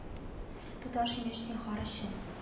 Туташ имеш зинһар өчен